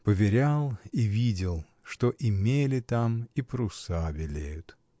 поверял и видел, что и мели там, и паруса белеют.